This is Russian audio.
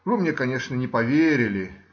Вы мне, конечно, не поверили.